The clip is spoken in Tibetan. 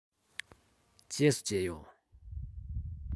རྗེས སུ མཇལ ཡོང